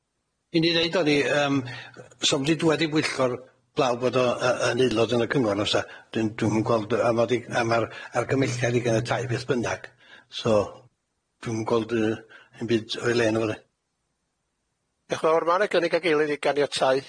Uni'n i ddeud o'n i yym so'm di dwed i bwyllgor blawd bod o yy yn aelod yn y cyngor nasa dwi'n dwi'm yn gweld yy amod i am yr argymelliad i ganiatáu beth bynnag so dwi'm yn gweld yy unbyd o'i le yn y fo de. Diolch yn fowr, ma' na gynnig ag eilydd i ganiatáu.